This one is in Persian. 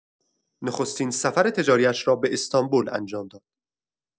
نخستین سفر تجاری‌اش را به استانبول انجام داد.